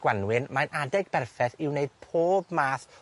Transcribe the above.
Gwanwyn, mae'n adeg berffeth i wneud pob math